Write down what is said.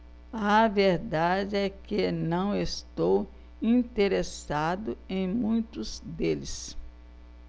a verdade é que não estou interessado em muitos deles